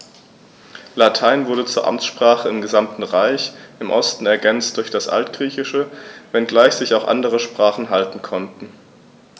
Latein wurde zur Amtssprache im gesamten Reich (im Osten ergänzt durch das Altgriechische), wenngleich sich auch andere Sprachen halten konnten.